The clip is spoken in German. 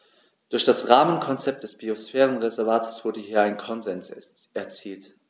Durch das Rahmenkonzept des Biosphärenreservates wurde hier ein Konsens erzielt.